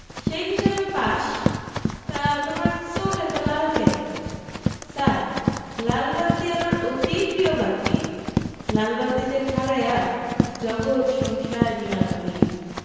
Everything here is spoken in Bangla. সেই হিসেবে পাস তা তোমার চোখ এত লাল কেন ছার লাল বাত্তি আমার অতি প্রিয় বাত্তি লাল বাত্তি তে খাড়ায়া জগৎ সংসার নিয়া ভাবি